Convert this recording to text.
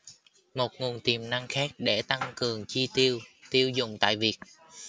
một nguồn tiềm năng khác để tăng cường chi tiêu tiêu dùng tại việt